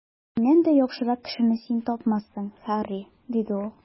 Миннән дә яхшырак кешене син тапмассың, Һарри, - диде ул.